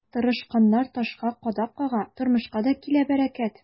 Тырышканнар ташка кадак кага, тормышка да килә бәрәкәт.